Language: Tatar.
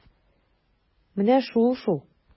Менә шул-шул!